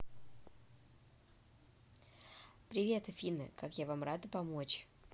привет афина как я вам рада помочь